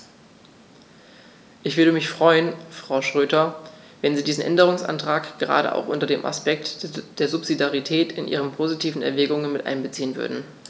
Ich würde mich freuen, Frau Schroedter, wenn Sie diesen Änderungsantrag gerade auch unter dem Aspekt der Subsidiarität in Ihre positiven Erwägungen mit einbeziehen würden.